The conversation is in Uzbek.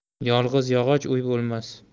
yolg'iz yog'och uy bo'lmas